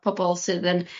pobol sydd yn